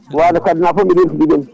Waalo Fadenaɓe foof mi renti ɗumen